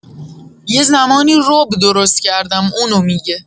یه زمانی رب درست کردم اونو می‌گه